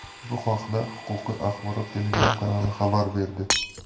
bu haqda huquqiy axborot telegram kanali xabar berdi